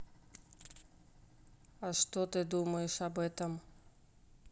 а ты что думаешь об этом